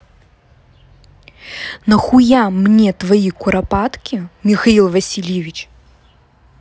нахуя мне твои куропатки михаил васильевич